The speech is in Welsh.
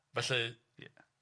Felly ie.